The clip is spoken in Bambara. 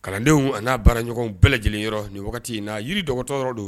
Kalandenw ani n'a baara ɲɔgɔn bɛɛ lajɛlen yɔrɔ nin wagati in na yiri dɔgɔtɔ dɔgɔtɔrɔ yɔrɔ don